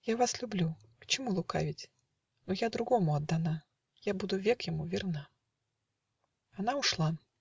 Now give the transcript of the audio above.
Я вас люблю (к чему лукавить?), Но я другому отдана; Я буду век ему верна". Она ушла.